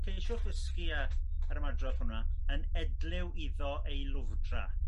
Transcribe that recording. ceisiwch ddysgu y yr ymadrodd hwnna yn edlyw iddo ei lwfdra